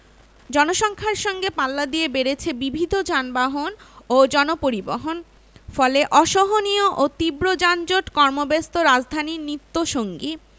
জনসংখ্যার সঙ্গে পাল্লা দিয়ে বেড়েছে বিবিধ যানবাহন ও গণপরিবহন ফলে অসহনীয় ও তীব্র যানজট কর্মব্যস্ত রাজধানীর নিত্যসঙ্গী